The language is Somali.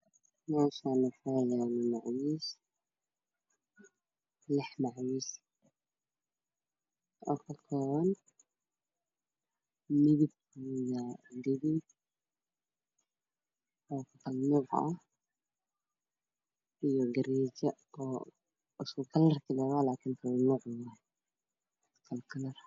Meeshaan waxaa yaalo macwiis 6 macwiis oo ka kooban midab gaduud oo kala nooc ah iyo gariijo oo isku kalarkii lee waaye laakin kala nooca ah kala kalar